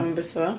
Yn byta fo...